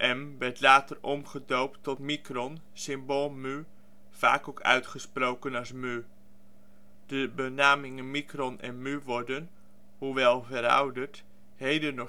De mmm werd later omgedoopt tot micron (symbool µ), vaak ook uitgesproken als mu. De benamingen micron en mu worden, hoewel verouderd, heden